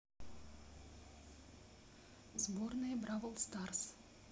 сборные бравл старс